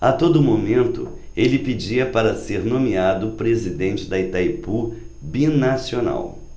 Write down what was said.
a todo momento ele pedia para ser nomeado presidente de itaipu binacional